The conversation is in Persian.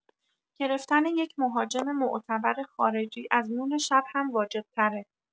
گرفتن یک مهاجم معتبر خارجی از نون شب هم واجب تره